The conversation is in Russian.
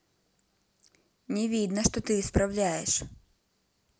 не видно что ты исправляешь